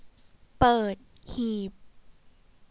เปิดหีบ